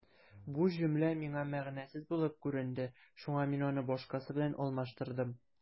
Бу җөмлә миңа мәгънәсез булып күренде, шуңа мин аны башкасы белән алмаштырдым.